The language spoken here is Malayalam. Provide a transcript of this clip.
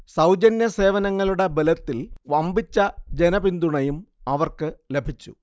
സൌജന്യ സേവനങ്ങളുടെ ബലത്തിൽ വമ്പിച്ച ജനപിന്തുണയും അവർക്ക് ലഭിച്ചു